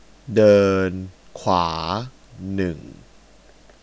เดินขวาหนึ่ง